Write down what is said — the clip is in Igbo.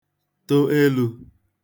to elū